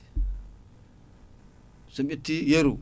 somi ƴetti yeeru